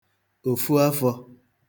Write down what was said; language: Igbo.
òfuafọ̄